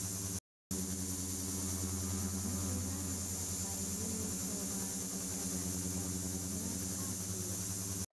ถ้ามีเวลาก็ไปอยู่ เพราะว่าไปตลาดได้ของราคาก็